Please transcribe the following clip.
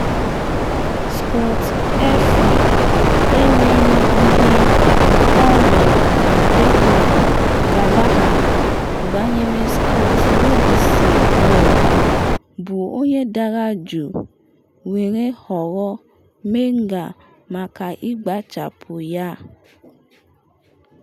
Scott Arfield enweghị ihe ọ mere ka Declan Gallagher gbanyere Scott Robinson bọọlụ, bụ onye dara juu were họrọ Menga maka ịgbachapụ ya.